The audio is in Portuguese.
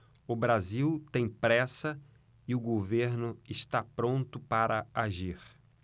o brasil tem pressa e o governo está pronto para agir